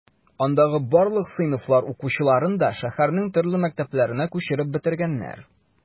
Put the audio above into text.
Андагы барлык сыйныфлар укучыларын да шәһәрнең төрле мәктәпләренә күчереп бетергәннәр.